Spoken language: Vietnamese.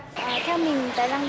ờ theo mình tài năng